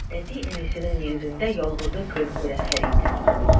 Әти-әнисенең нигезендә ялгызы көн күрә Фәрид.